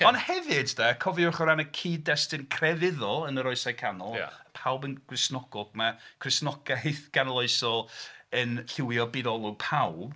Ond hefyd 'de cofiwch o ran y cyd-destun crefyddol yn yr Oesau Canol, pawb yn Gristnogol, mae Cristnogaeth canoloesol yn lliwio byd olwg pawb.